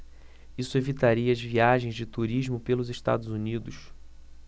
isso evitaria as viagens de turismo pelos estados unidos